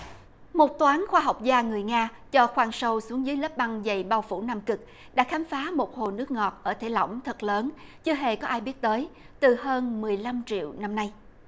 một toán khoa học gia người nga cho khoan sâu xuống dưới lớp băng dày bao phủ nam cực đã khám phá một hồ nước ngọt ở thể lỏng thật lớn chưa hề có ai biết tới từ hơn mười lăm triệu năm nay